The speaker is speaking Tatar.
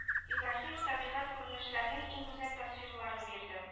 Ибраһимов табигать күренешләренең иң гүзәл тасвирларын бирде